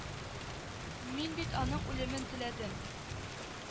Мин бит аның үлемен теләдем